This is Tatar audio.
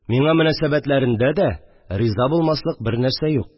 Миңа мөнәсәбәтләрендә дә риза булмаслык бернәрсә юк